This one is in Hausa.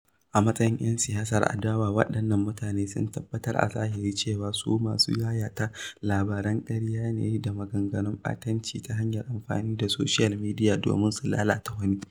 A matsayin 'yan siyasar adawa, waɗannan mutanen sun tabbatar a zahiri cewa su masu yayata labaran ƙarya ne da maganganun ɓatanci, ta hanyar amfani da shafukan soshiyal midiya domin su lalata wani.